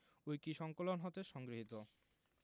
উইকিসংকলন হতে সংগৃহীত